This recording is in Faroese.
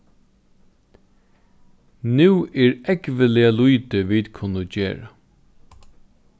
nú er ógvuliga lítið vit kunnu gera